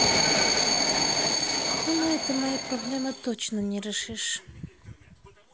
думаю ты мои проблемы точно не решишь